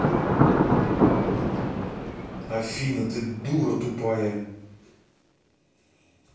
афина ты дура тупая